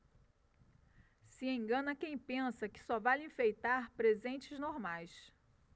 se engana quem pensa que só vale enfeitar presentes normais